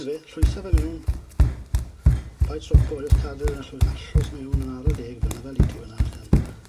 'Na fe llwysa fe mewn paid stopo jyst cadw e a llwy- allws miwn yn ara deg fyn 'na fel 'yt ti fyn 'na nawr ten.